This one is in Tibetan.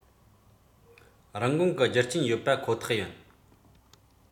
རིན གོང གི རྒྱུ རྐྱེན ཡོད པ ཁོ ཐག ཡིན